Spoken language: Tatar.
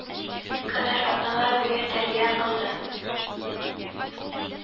Көннәр, атналар буе тәрбия калдым